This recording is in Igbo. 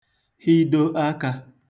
hịdo akā